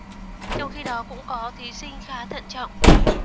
trong khi đó cũng có thí sinh khá thận trọng